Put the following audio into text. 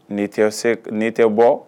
N tɛ ne tɛ bɔ